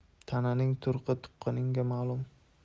tananing turqi tuqqaniga ma'lum